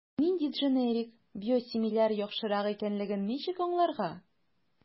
Нинди дженерик/биосимиляр яхшырак икәнлеген ничек аңларга?